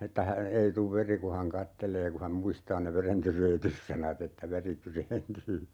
että - ei tule veri kun hän katselee kun hän muistaa ne verentyreennytyssanat että veri tyreentyy